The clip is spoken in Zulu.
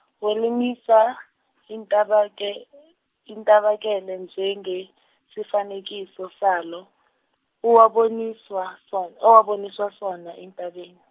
wolimisa, intabake, intabakele njengesifanekiso salo, uwaboniswa sona, owaboniswa sona entabeni.